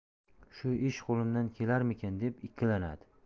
shu ish qo'limdan kelarmikin deb ikkilanadi